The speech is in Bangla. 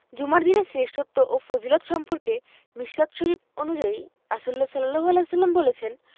জুমার দিনের শ্রেষ্ঠত্ব ও ফজিলত সম্পর্কে মিশকাত শরিফ অনুযায়ী রাসুলুল্লাহ সা বলেছেন